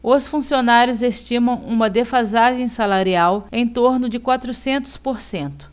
os funcionários estimam uma defasagem salarial em torno de quatrocentos por cento